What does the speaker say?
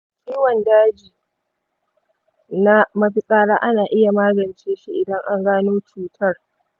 ciwon daji na mafitsara ana iya magance shi idan an gano cutar da wuri.